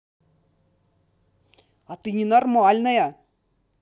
а ты ненормальная